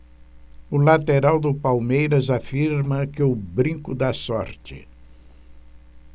o lateral do palmeiras afirma que o brinco dá sorte